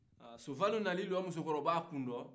sofaw nana i jɔ musokɔrɔba kunna